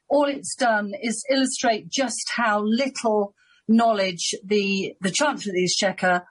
All it's done is illustrate just how little knowledge the the